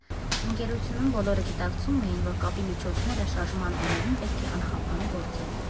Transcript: Ընկերությունում բոլորը գիտակցում էին, որ կապի միջոցները շարժման օրերին պետք է անխափան գործեն։